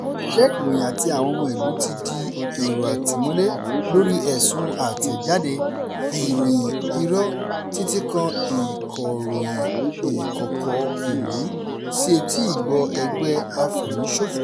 Òṣìṣẹ́ ìròyìn àti àwọn ọmọ-ìlú ti di èrò àtìmọ́lé lórí ẹ̀sùn àtẹ̀jáde “ìròyìn irọ́” títí kan ìkóròyìn ìkòkọ̀ ìlú sí etí ìgbọ́ ẹgbẹ́ afẹ̀míṣòfò.